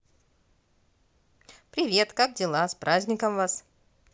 привет как дела с праздником вас